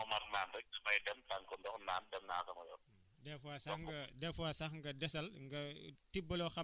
doo xam kii feebar na kii feebarul na nga mar naan rek su may dem tànq ndox naan dem naa sama yoon